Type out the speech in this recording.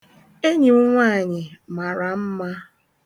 Enyi m nwaanyị mara mma.